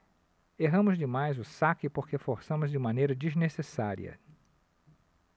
erramos demais o saque porque forçamos de maneira desnecessária